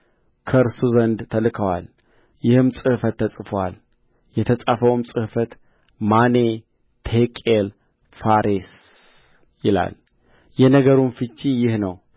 ከእርሱ ዘንድ ተልከዋል ይህም ጽሕፈት ተጽፎአል የተጻፈውም ጽሕፈት ማኔ ቴቄል ፋሬስ ይላል የነገሩም ፍቺ ይህ ነው